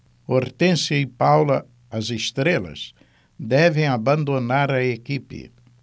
hortência e paula as estrelas devem abandonar a equipe